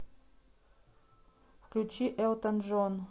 включи элтон джон